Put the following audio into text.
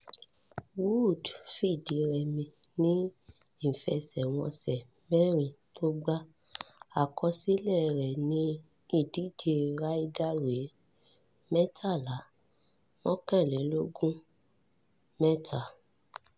Woods fìdírẹmi ní ìfẹsẹ̀wọnsẹ̀ mẹ́rin tó gbá. Àkọsílẹ̀ rẹ̀ ní ìdíje Ryder rèé: 13-21-3.